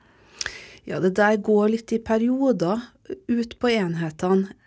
ja det der går litt i perioder ut på enhetene.